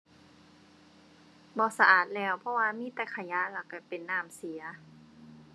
บ่สะอาดแล้ว เพราะว่ามีแต่ขยะแล้วก็เป็นน้ำเสีย